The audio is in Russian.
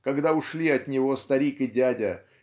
когда ушли от него старик и дядя